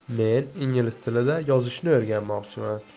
men ingliz tilida yozishni o'rganmoqchiman